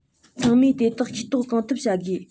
ཚང མས དེ དག ཤེས རྟོགས གང ཐུབ བྱ དགོས